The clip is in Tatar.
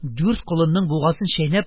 Дүрт колынның бугазын чәйнәп,